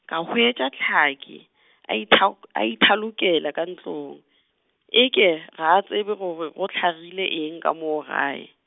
ka hwetša Tlhaka , a ithaok-, a ithalokela ka ntlong, e ke ga a tsebe gore go hlagile eng ka moo gae.